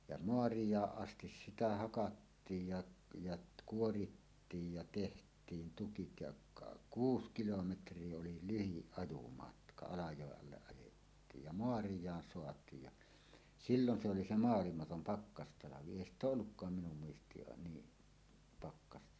ja maarajaan asti sitä hakattiin ja ja kuorittiin ja tehtiin tukit ja - kuusi kilometriä oli lyhin ajomatka Alajoen alle ajettiin ja maarajaan saatiin ja silloin se oli se maailmaton pakkastalvi ei sitä ole ollutkaan minun muistiini niin pakkasta